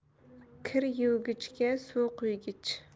kir yuvgichga suv quygich